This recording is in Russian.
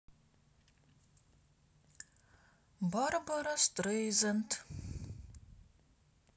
барбара стрейзенд